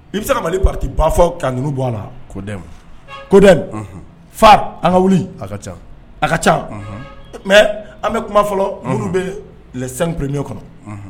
I bɛ se ka mali pati ba fɔ ka ŋ bɔ a la kod kod fa a ka wuli a ka ca a ka ca mɛ an bɛ kuma fɔlɔ minnu bɛ lepnen kɔnɔ